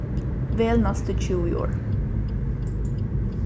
vel næstu tjúgu orð